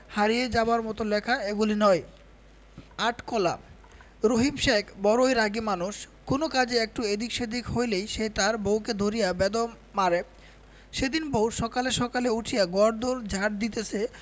হারিয়ে যাবার মত লেখা এগুলি নয় আট কলা রহিম শেখ বড়ই রাগী মানুষ কোনো কাজে একটু এদিক ওদিক হইলেই সে তার বউকে ধরিয়া বেদম মারে সেদিন বউ সকালে সকালে উঠিয়া ঘর দোর ঝাট দিতেছে